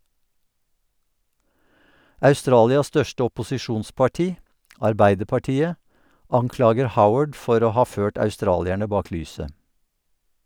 Australias største opposisjonsparti - Arbeiderpartiet - anklager Howard for å ha ført australierne bak lyset.